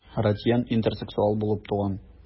Ратьен интерсексуал булып туган.